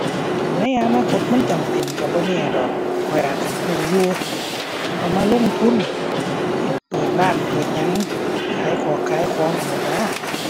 คันในอนาคตมันจำเป็นก็บ่แน่ดอก ข้อยอาจสิกู้อยู่ ห่าเอามาลงทุนเฮ็ดเปิดร้านเปิดหยัง ขายขอกขายของหั้นดอกหวา